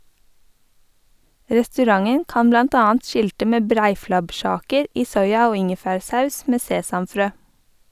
Restauranten kan blant annet skilte med breiflabbkjaker i soya- og ingefærsaus med sesamfrø.